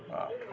waaw